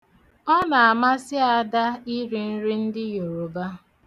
Ọ na-amasị Ada iri nri ndị Yoroba.